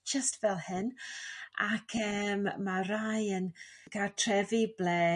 jyst fel hyn ac eem ma' rai yn gartrefi ble